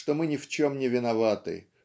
что мы ни в чем не виноваты